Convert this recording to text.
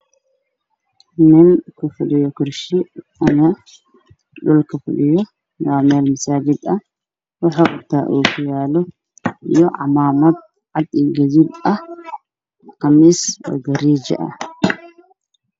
Nin ku fadhiya kursi ama dhulka fadhiyo meel masaajid a wuxuu wataa okiyaalo camaamad cad iyo gaduud ah qamiis wada rinji ah